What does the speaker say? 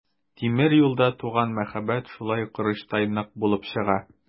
Тимер юлда туган мәхәббәт шулай корычтай нык булып чыга.